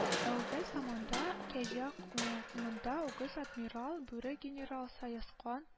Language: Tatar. Әүвәл заманда, кәҗә команда, үгез адмирал, бүре генерал, саескан